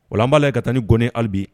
Wala an b'a ye ka taa ni gnen halibi